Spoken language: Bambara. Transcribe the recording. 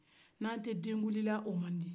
n'an tɛ den kundi la o man di